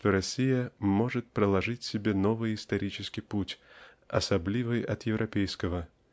что Россия может проложить себе новый исторический путь особливый от европейского